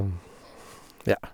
Ja.